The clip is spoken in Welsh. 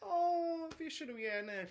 Oo, fi eisiau nhw i ennill.